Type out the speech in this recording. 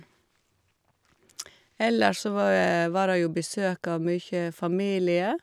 Ellers så va var det jo besøk av mye familie.